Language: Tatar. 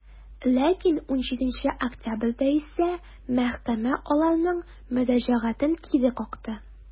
Ләкин 17 октябрьдә исә мәхкәмә аларның мөрәҗәгатен кире какты.